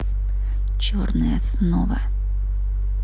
черная основа